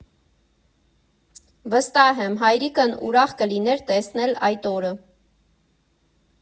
Վստահ եմ՝ հայրիկն ուրախ կլիներ տեսնել այդ օրը։